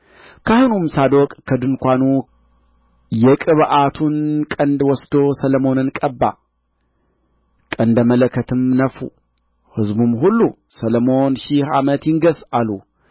ካህኑም ሳዶቅ ከድንኳኑ የቅብዓቱን ቀንድ ወስዶ ሰሎሞንን ቀባ ቀንደ መለከትም ነፉ ሕዝቡም ሁሉ ሰሎሞን ሺህ ዓመት ይንገሥ አሉ